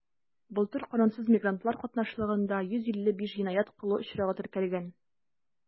Былтыр канунсыз мигрантлар катнашлыгында 155 җинаять кылу очрагы теркәлгән.